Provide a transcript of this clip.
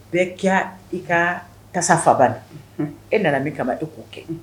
Bɛɛ ka i ka tasa ban, faban e nana min kama e k'o kɛ! unhun.